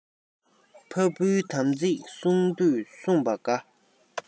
ཕ བུའི དམ ཚིག བསྲུང དུས བསྲུངས པ དགའ